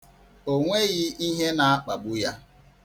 O nweghị ihe na-akpagbu ya.